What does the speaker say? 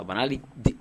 hali di